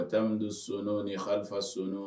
Ka taa don senɔnɔ ni ha sen